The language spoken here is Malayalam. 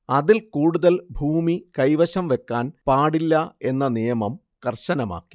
അതിൽ കൂടുതൽ ഭൂമി കൈവശം വെക്കാൻ പാടില്ല എന്ന നിയമം കർശനമാക്കി